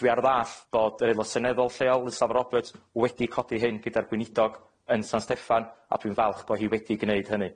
Dwi ar ddall' bod yr Aelod Seneddol lleol Liz Saville Roberts wedi codi hyn gyda'r gweinidog yn San Steffan, a dwi'n falch bo hi wedi gneud hynny.